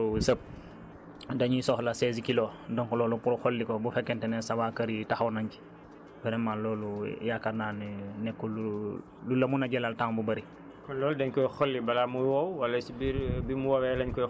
voilà donc boo ko defalee programme rekk gannaaw benn hectare sëb dañuy soxla seize kilos donc loolu pour xolli ko bu fekkente ne sa waa kër yi taxaw nañ ci vraiment loolu yaakaar naa ne nekkul lu lu la mën a jëlal temps bu bëri